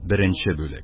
Беренче бүлек